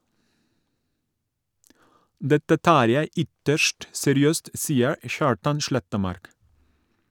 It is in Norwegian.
Dette tar jeg ytterst seriøst, sier Kjartan Slettemark.